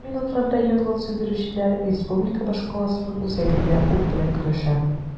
Бу минутларда янгын сүндерүчеләр республика башкаласының үзәгендә ут белән көрәшә.